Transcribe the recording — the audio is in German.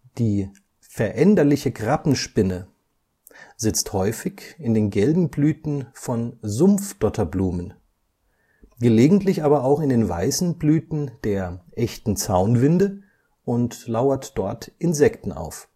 Die Veränderliche Krabbenspinne (Misumena vatia) sitzt häufig in den gelben Blüten von Sumpfdotterblumen, gelegentlich aber auch in den weißen Blüten der Echten Zaunwinde und lauert dort Insekten auf